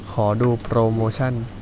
ขอดูโปรโมชั่น